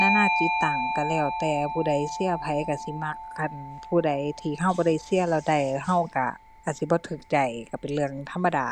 นานาจิตตังก็แล้วแต่ผู้ใดเชียร์ไผก็สิมัก คันผู้ใดที่ก็บ่ได้เชียร์แล้วได้ ก็ก็อาจสิบ่ก็ใจก็เป็นเรื่องธรรมดา